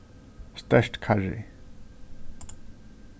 sterkt karry